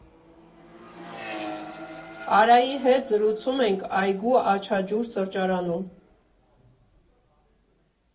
Արայի հետ զրուցում ենք այգու «Աչաջուր» սրճարանում։